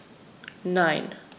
Nein.